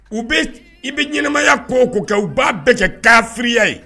U bɛ i bɛ ɲmaya ko o ko kɛ u b'a bɛɛ kɛ kafiya ye!